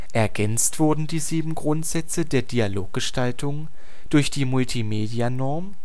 Ergänzt wurden die 7 Grundsätze der Dialoggestaltung durch die Multimedianorm